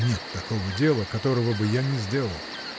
Нет такого дела, которого бы я не сделал!